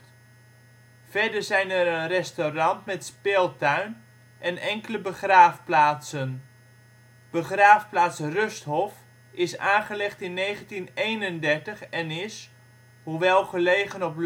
Verder zijn er een restaurant met speeltuin en enkele begraafplaatsen. Begraafplaats Rusthof is aangelegd in 1931 en is, hoewel gelegen op